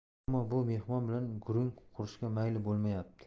ammo bu mehmon bilan gurung qurishga mayli bo'lmayapti